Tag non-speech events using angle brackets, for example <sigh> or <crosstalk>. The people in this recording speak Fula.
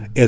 <hesitation> <hesitation>